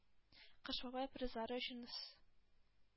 Кыш бабай призлары өчен, с